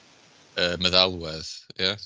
Yy meddalwedd ia?